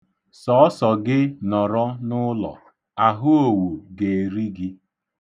Sọọsọ gị nọrọ n'ụlọ, ahụowu ga-eri gị.